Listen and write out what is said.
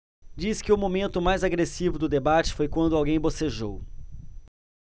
diz que o momento mais agressivo do debate foi quando alguém bocejou